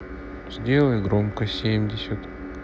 сделай громкость семьдесят